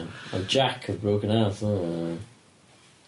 O'dd Jack of broken earts oedd wnna